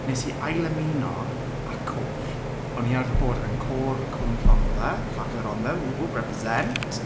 wnes i ailymuno â côr o'n i'n arfer bod yn côr Cwm Rhondda back in the Rhondda woop woop represent